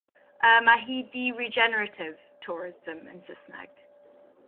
Yym ma' hi di regenerative tourism yn Susneg.